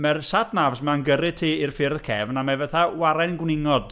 Mae'r satnavs 'ma'n gyrru ti i'r ffyrdd cefn, a ma' fatha waren gwningod.